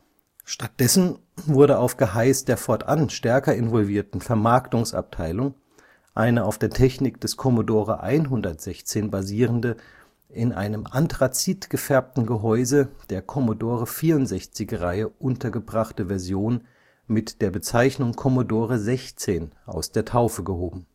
Stattdessen wurde auf Geheiß der fortan stärker involvierten Vermarktungsabteilung eine auf der Technik des Commodore 116 basierende, in einem anthrazitgefärbten Gehäuse der Commodore-64-Reihe untergebrachte Version mit der Bezeichnung Commodore 16 aus der Taufe gehoben